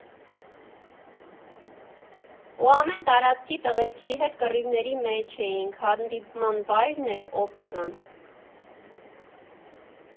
Ու ամեն տարածքի տղերքի հետ կռիվների մեջ էինք՝ հանդիպման վայրն էլ՝ Օպերան։